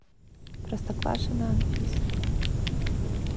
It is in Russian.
простоквашино анфиса